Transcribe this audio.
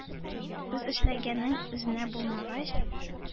Үз эшләгәнең үзеңә булмагач,